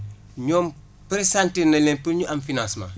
ñoom presentir nañ leen pour ñu am financement